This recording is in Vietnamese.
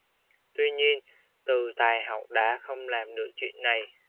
tuy nhiên từ tài hậu đã không làm được chuyện này